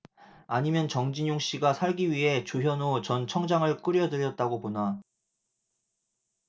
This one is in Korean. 아니면 정진용씨가 살기 위해 조현오 전 청장을 끌여들였다고 보나